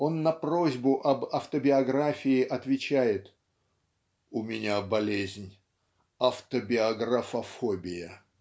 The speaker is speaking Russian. он на просьбу об автобиографии отвечает "У меня болезнь автобиографофобия.